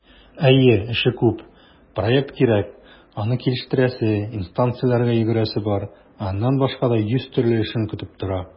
Әйе, эше күп - проект кирәк, аны килештерәсе, инстанцияләргә йөгерәсе бар, ә аннан башка да йөз төрле эшең көтеп тора.